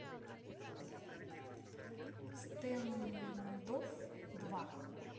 стэндофф два